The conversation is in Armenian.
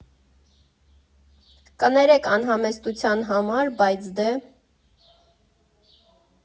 Կներեք անհամեստության համար, բայց դե…